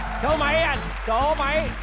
số mấy anh số mấy